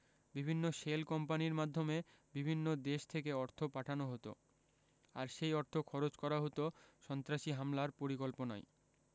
বিভিন্ন শেল কোম্পানির মাধ্যমে বিভিন্ন দেশ থেকে অর্থ পাঠানো হতো আর সেই অর্থ খরচ করা হতো সন্ত্রাসী হামলার পরিকল্পনায়